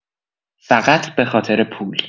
فقط بخاطر پول